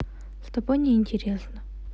с тобой не интересно